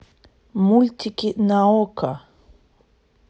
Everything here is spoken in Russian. мультики на окко